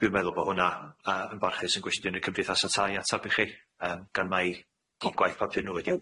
Dwi'n meddwl bo' hwnna yy yn barchus yn gwestiwn i'r cymdeithas y tai atab i chi yym gan mai ddog- gwaith papur nw ydio. Nai ddar-